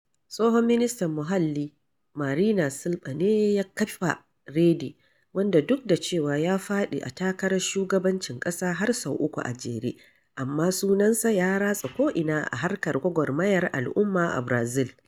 Tsohon ministan muhalli Marina Silɓa ne ya kafa Rede, wanda duk da cewa ya faɗi a takarar shugabancin ƙasa har sau uku a jere, amma sunansa ya ratsa ko'ina a harkar gwagwarmayar al'umma a Barazil.